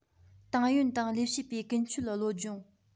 ཏང ཡོན དང ལས བྱེད པའི ཀུན སྤྱོད བློ སྦྱོང